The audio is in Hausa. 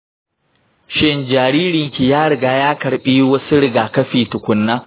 shin jaririnki ya riga ya karɓi wasu rigakafi tukunna?